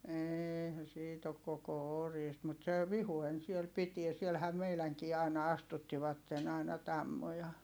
eihän siitä ole koko oriista mutta se Vihuen siellä pitää siellähän meidänkin aina astuttivat aina tammoja